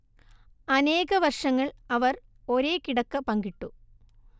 അനേക വർഷങ്ങൾ അവർ ഒരേ കിടക്ക പങ്കിട്ടു